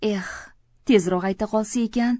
eh tezroq ayta qolsa ekan